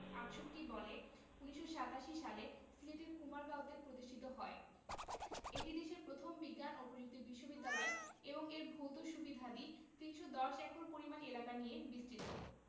৬৮ বলে ১৯৮৭ সালে সিলেটের কুমারগাঁওতে প্রতিষ্ঠিত হয় এটি দেশের প্রথম বিজ্ঞান ও প্রযুক্তি বিশ্ববিদ্যালয় এবং এর ভৌত সুবিধাদি ৩১০ একর পরিমাণ এলাকা নিয়ে বিস্তৃত